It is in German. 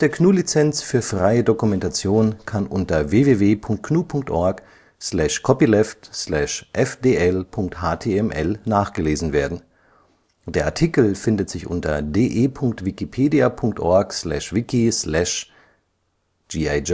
Kino7.de